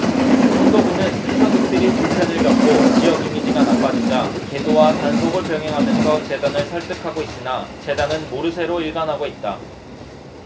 청도군은 피서객들이 불편을 겪고 지역 이미지가 나빠지자 계도와 단속을 병행하면서 재단을 설득하고 있으나 재단은 모르쇠로 일관하고 있다